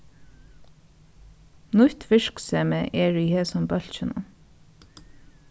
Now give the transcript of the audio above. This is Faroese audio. nýtt virksemi er í hesum bólkinum